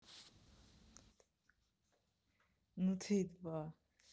ну ты и два